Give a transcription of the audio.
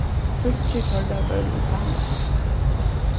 tríggir teirra vóru úr kanada